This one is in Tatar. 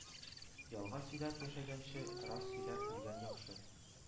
Ялган сөйләп яшәгәнче, рас сөйләп үлгән яхшы